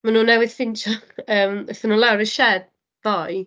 Maen nhw newydd ffeindio, yym, aethon nhw lawr i'r sied ddoe.